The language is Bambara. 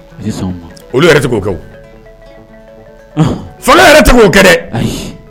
Olu yɛrɛ ti ko kɛ wo . Folo yɛrɛ ti ko kɛ dɛ.